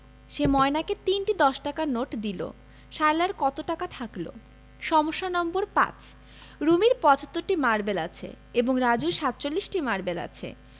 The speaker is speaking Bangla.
সে ময়নাকে ৩টি দশ টাকার নোট দিল সায়লার কত টাকা থাকল ৫ রুমির ৭৫টি মারবেল আছে এবং রাজুর ৪৭টি মারবেল আছে